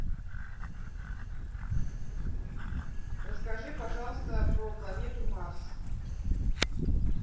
расскажи пожалуйста про планету марс